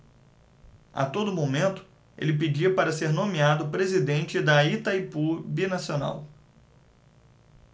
a todo momento ele pedia para ser nomeado presidente de itaipu binacional